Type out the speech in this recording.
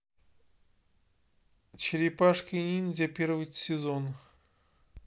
черепашки ниндзя первый сезон